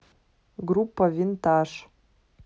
группа винтаж